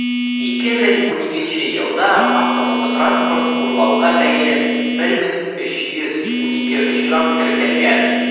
2012 елда автомототранспорт урлауга бәйле 1312 очрак теркәлгән.